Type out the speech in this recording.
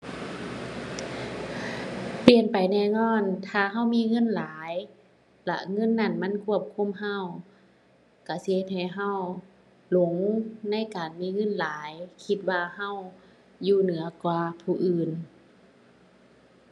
เปลี่ยนไปแน่นอนถ้าเรามีเงินหลาย แล้วเงินนั้นมันควบคุมเรา เราสิเฮ็ดให้เราหลงในการมีเงินหลาย คิดว่าเราอยู่เหนือกว่าผู้อื่น